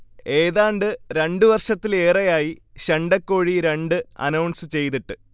ഏതാണ്ട് രണ്ടു വർഷത്തിലേറെയായി ശണ്ഠക്കോഴി രണ്ട് അനൗൺസ് ചെയ്തിട്ട്